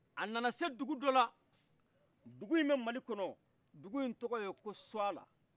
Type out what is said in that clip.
a nanase dugu dɔla dugu in bɛ mali kɔnɔ dugu tɔgɔye ko suala